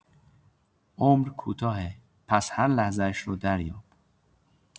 عمر کوتاهه، پس هر لحظه‌اش رو دریاب.